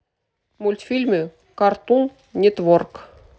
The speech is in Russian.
фильмы картун нетворк